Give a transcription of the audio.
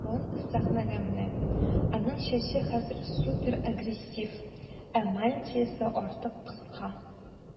Рон сәхнәгә менә, аның чәче хәзер суперагрессив, ә мантиясе артык кыска.